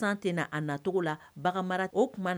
San te na a natogo la bagan mara o tuma n